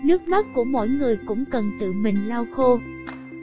nước mắt của mỗi người cũng cần tự mình lau khô